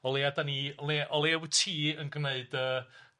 o leia 'dan ni o leia o leia wyt ti yn gwneud dy